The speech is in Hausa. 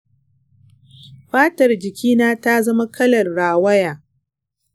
fatar jiki na ta zama kalar rawaya.